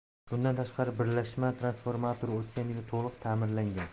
bundan tashqari birlashma transformatori o'tgan yil to'liq ta'mirlangan